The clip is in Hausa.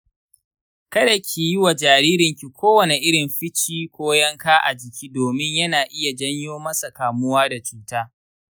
kada ki yi wa jaririnki kowane irin fici ko yanka a jiki domin yana iya janyo masa kamuwa da cuta